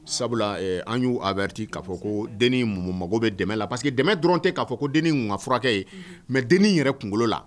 Sabula an y'u a bɛriti k' fɔ ko den mun mago bɛ dɛmɛ la parce que dɛ dɔrɔn tɛ k'a fɔ ko denninf furakɛ ye mɛ dennin yɛrɛ kunkolo la